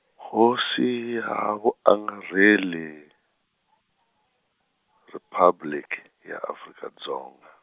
Hofisi ya Vuangarheli , Riphabliki, ya Afrika Dzonga.